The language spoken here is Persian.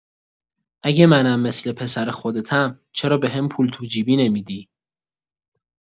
اگه منم مثل پسر خودتم چرا بهم پول تو جیبی نمی‌دی؟